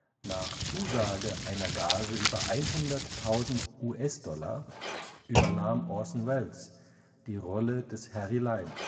Nach Zusage einer Gage über 100.000 US-Dollar übernahm Orson Welles die Rolle des Harry Lime